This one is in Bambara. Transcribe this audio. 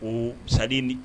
O sa di